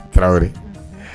Tarawele